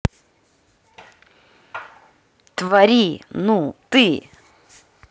твори ну ты